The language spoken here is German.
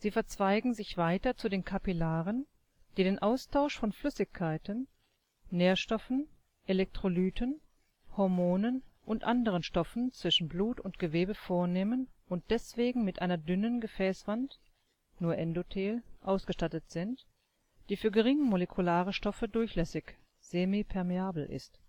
verzweigen sich weiter zu den Kapillaren, die den Austausch von Flüssigkeiten, Nährstoffen, Elektrolyten, Hormonen und anderen Stoffen zwischen Blut und Gewebe vornehmen und deswegen mit einer dünnen Gefäßwand (nur Endothel) ausgestattet sind, die für geringmolekulare Stoffe durchlässig (semipermeabel) ist